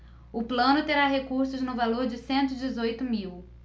o plano terá recursos no valor de cento e dezoito mil